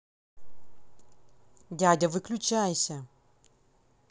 дядя выключайся